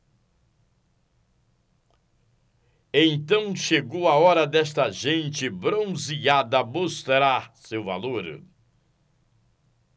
então chegou a hora desta gente bronzeada mostrar seu valor